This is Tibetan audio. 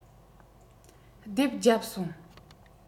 རྡེབ རྒྱབ སོང